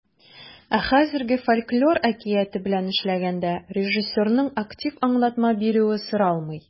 Ә хәзергә фольклор әкияте белән эшләгәндә режиссерның актив аңлатма бирүе соралмый.